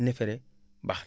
neefere baax